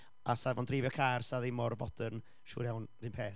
a sa' fo'n dreifio car, 'sa ddim mor fodern, siŵr iawn yr un peth.